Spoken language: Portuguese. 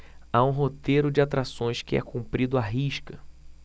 há um roteiro de atrações que é cumprido à risca